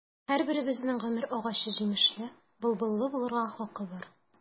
Һәрберебезнең гомер агачы җимешле, былбыллы булырга хакы бар.